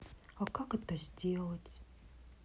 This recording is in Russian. а как это сделать